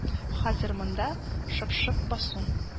Хәзер монда шып-шыр басу